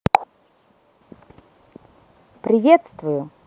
приветствую